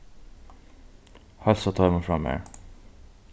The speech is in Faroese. heilsa teimum frá mær